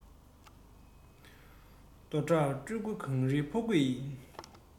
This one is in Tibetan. རྡོ བྲག སྤྲུལ སྐུ གངས རིའི ཕོ རྒོད ཡིན